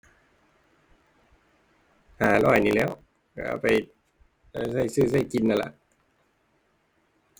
ห้าร้อยนี่แหล้ว ก็เอาไปก็ซื้อก็กินนั่นล่ะ